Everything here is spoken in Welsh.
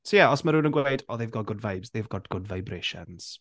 So ie, os mae rywun yn gweud Oh, they've got good vibes, they've got good vibrations.